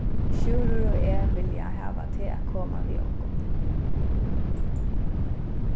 sjúrður og eg vilja hava teg at koma við okkum